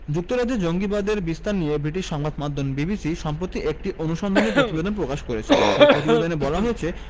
যুক্তরাজ্যে জঙ্গিবাদের বিস্তার নিয়ে ব্রিটিশ সংবাদমাধ্যম বিবিসি সম্প্রতি একটি অনুসন্ধানী প্রতিবেদন প্রকাশ করেছে সেই প্রতিবেদনে বলা হয়েছে